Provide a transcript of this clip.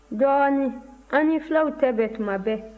dɔɔnin an ni fulaw tɛ bɛn tuma bɛɛ